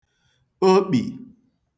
okpì